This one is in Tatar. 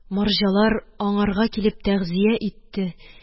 Марҗалар аңарга килеп тәгъзия итте